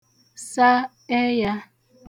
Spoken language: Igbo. sa ẹyā